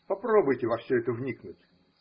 Попробуйте во все это вникнуть!